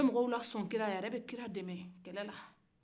a bɛ mɔgɔw la sɔn kira ye a yɛrɛ bɛ kira dɛmɛ kɛlɛ la